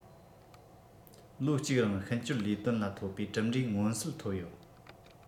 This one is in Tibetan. ལོ གཅིག རིང ཤིན སྐྱོར ལས དོན ལ ཐོབ པའི གྲུབ འབྲས མངོན གསལ ཐོབ ཡོད